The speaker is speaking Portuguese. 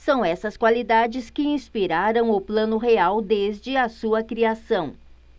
são essas qualidades que inspiraram o plano real desde a sua criação